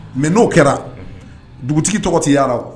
Mɛ n'o kɛra dugutigi tɔgɔ tɛ yaa